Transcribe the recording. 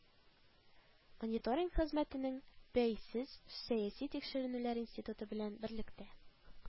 Мониторинг хезмәте”нең “бәйсез сәяси тикшеренүләр институты” белән берлектә